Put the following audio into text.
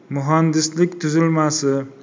muhandislik tuzilmasi